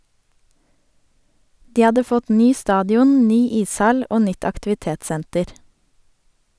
De hadde fått ny stadion, ny ishall og nytt aktivitets-senter.